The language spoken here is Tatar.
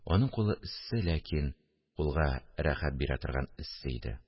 Аның кулы эссе, ләкин кулга рәхәт бирә торган эссе иде